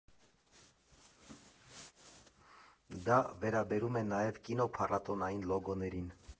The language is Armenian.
Դա վերաբերում է նաև կինոփառատոային լոգոներին։